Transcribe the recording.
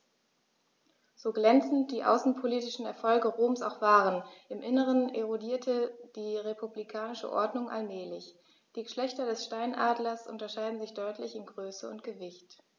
So glänzend die außenpolitischen Erfolge Roms auch waren: Im Inneren erodierte die republikanische Ordnung allmählich. Die Geschlechter des Steinadlers unterscheiden sich deutlich in Größe und Gewicht.